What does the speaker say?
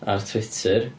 Ar Twitter.